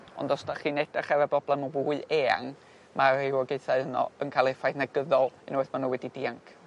Ond os 'dach chi'n edrych ar y broblam yyn fwy eang ma'r yn ca'l effaith negyddol unwaith ma n'w wedi dianc.